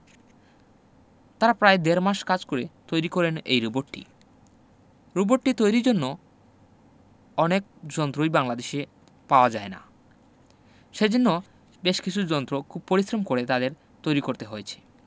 তারা প্রায় দেড় মাস কাজ করে তৈরি করেন এই রোবটটি রোবট তৈরির জন্য অনেক যন্ত্রই বাংলাদেশে পাওয়া যায় না সেজন্য বেশ কিছু যন্ত্র খুব পরিশ্রম করে তাদের তৈরি করতে হয়েছে